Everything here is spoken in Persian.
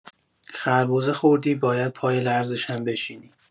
خربزه خوردی باید پای لرزشم بشینی.